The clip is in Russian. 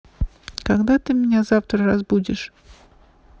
когда ты меня завтра разбудишь